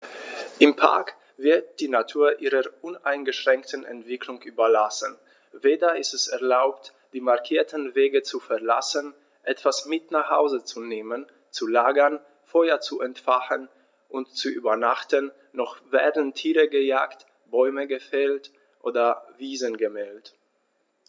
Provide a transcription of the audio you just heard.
Im Park wird die Natur ihrer uneingeschränkten Entwicklung überlassen; weder ist es erlaubt, die markierten Wege zu verlassen, etwas mit nach Hause zu nehmen, zu lagern, Feuer zu entfachen und zu übernachten, noch werden Tiere gejagt, Bäume gefällt oder Wiesen gemäht.